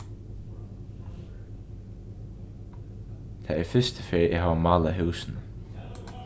tað er fyrstu ferð eg havi málað húsini